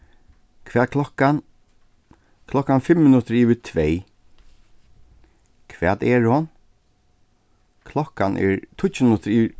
hvat klokkan klokkan fimm minuttir yvir tvey hvat er hon klokkan er